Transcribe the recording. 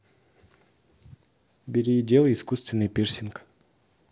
бери и делай искусственный пирсинг